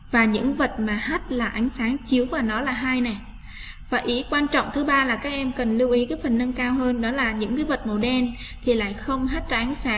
và những vật mà hát là ánh sáng chiếu vào nó là này vậy ý quan trọng thứ ba là các em cần lưu ý với phần nâng cao hơn đó là những thứ vật màu đen thì lại không hết choáng